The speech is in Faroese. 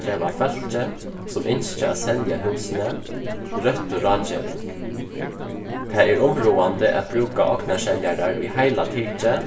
geva fólki sum ynskja at selja húsini røttu ráðgeving tað er umráðandi at brúka ognarseljarar í heila tikið